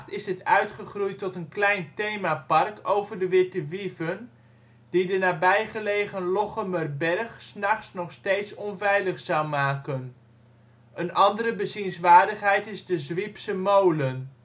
is dit uitgegroeid tot een klein themapark over de witte wieven die de nabij gelegen Lochemerberg ' s nachts nog steeds onveilig zouden maken. Een andere bezienswaardigheid is de Zwiepse Molen